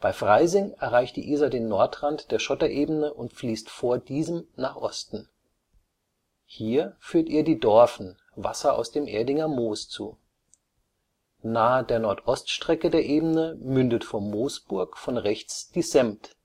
Freising erreicht die Isar den Nordrand der Schotterebene und fließt vor diesem nach Osten. Hier führt ihr die Dorfen Wasser aus dem Erdinger Moos zu. Nahe der Nordoststrecke der Ebene mündet vor Moosburg von rechts die Sempt